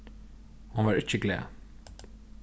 hon var ikki glað